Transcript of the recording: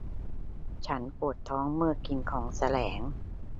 ฉันปวดท้องเมื่อกินของแสลง